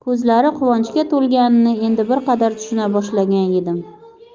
ko'zlari quvonchga to'lganini endi bir qadar tushuna boshlagan edim